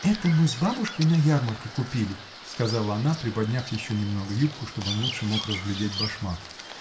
— Это мы с бабушкой на ярмарке купили, — сказала она, приподняв еще немного юбку, чтоб он лучше мог разглядеть башмак.